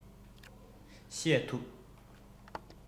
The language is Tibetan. བཤད ཐུབ